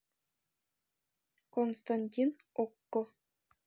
константин окко